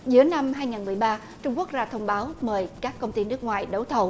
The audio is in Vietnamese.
giữa năm hai ngàn mười ba trung quốc ra thông báo mời các công ty nước ngoài đấu thầu